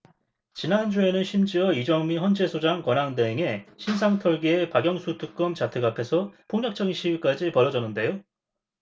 지난주에는 심지어 이정미 헌재소장 권한대행의 신상 털기에 박영수 특검 자택 앞에서 폭력적인 시위까지 벌어졌는데요